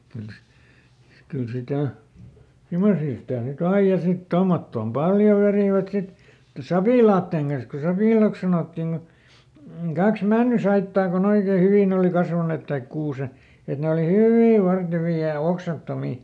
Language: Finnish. kyllä - kyllä sitä semmoisia sitä nyt aina ja sitten tuommottoon paljon vetivät sitten sapilaiden kanssa kun sapilaiksi sanottiin kun kaksi männynsaittaa kun oikein hyvin oli kasvaneet tai - että ne oli hyvin vartevia ja oksattomia